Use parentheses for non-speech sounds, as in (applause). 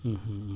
(hesitation) (hesitation)